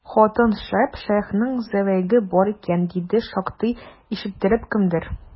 Хатын шәп, шәехнең зәвыгы бар икән, диде шактый ишеттереп кемдер.